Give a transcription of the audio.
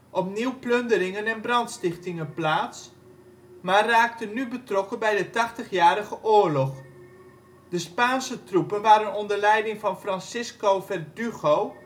opnieuw plunderingen en brandstichtingen plaats), maar raakte nu betrokken bij de Tachtigjarige Oorlog. De Spaanse troepen waren onder leiding van Francisco Verdugo